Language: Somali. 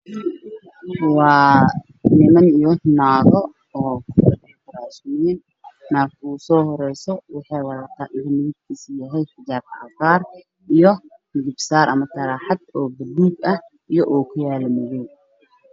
Niman iyo naago laabta ugu soo horeyso waxay qabtaa xijaab caddaan ah iyo tarxad guduud ah